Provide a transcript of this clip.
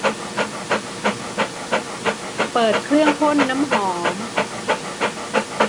เปิดเครื่องพ่นน้ำหอม